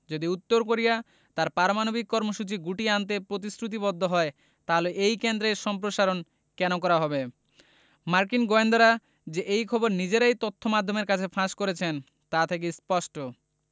যদি উত্তর কোরিয়া তার পারমাণবিক কর্মসূচি গুটিয়ে আনতে প্রতিশ্রুতিবদ্ধ হয় তাহলে এই কেন্দ্রের সম্প্রসারণ কেন করা হবে মার্কিন গোয়েন্দারা যে এই খবর নিজেরাই তথ্যমাধ্যমের কাছে ফাঁস করেছেন তা থেকে স্পষ্ট